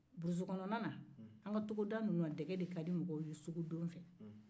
dɛgɛ de ka di mɔgɔw ye sugudon fɛ an ka togoda ninnu na